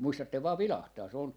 muistatte vain vilahtaa se on